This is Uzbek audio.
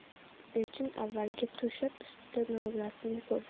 elchin avvaliga to'shak ustida noilasini ko'rdi